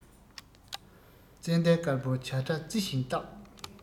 ཙནྡན དཀར པོ བྱ བྲ རྩི བཞིན བཏགས